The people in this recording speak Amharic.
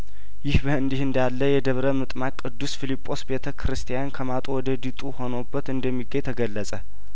ይህ በእንዲህ እንዳለ የደብረምጥማቅ ቅዱስ ፊልጶስ ቤተ ክርስቲያን ከማጡ ወደ ድጡ ሆኖበት እንደሚገኝ ተገለጸ